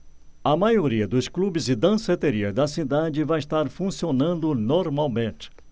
a maioria dos clubes e danceterias da cidade vai estar funcionando normalmente